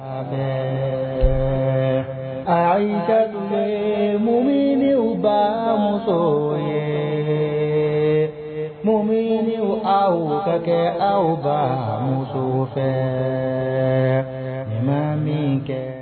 A y'' gam u ba muso yem aw u ka kɛ aw ba muso fɛ ma min kɛ